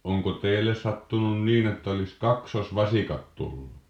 onko teille sattunut niin että olisi kaksosvasikat tullut